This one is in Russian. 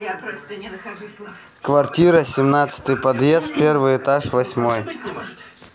квартира семнадцать подъезд первый этаж восьмой